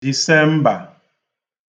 Dìsembà